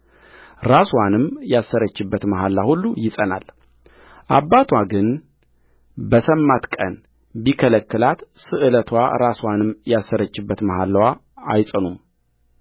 ራስዋንም ያሰረችበት መሐላ ሁሉ ይጸናልአባትዋ ግን በሰማበት ቀን ቢከለክላት ስእለትዋ ራስዋንም ያሰረችበት መሐላዋ አይጸኑም